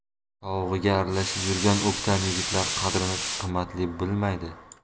sovug'iga aralashib yurgan o'ktam yigitlar qadr qimmatli bilmaydi